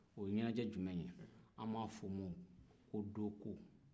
o ye ɲɛnajɛ jumɛn ye an b'a f'o ma ko dooko